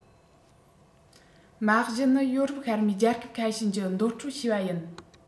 མ གཞི ནི ཡོ རོབ ཤར མའི རྒྱལ ཁབ ཁ ཤས ཀྱིས འདོན སྤྲོད བྱས པ ཡིན